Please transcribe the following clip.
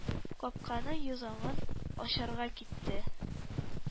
Капканың йозагын ачарга китте.